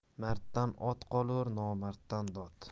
marddan ot qolur nomarddan dod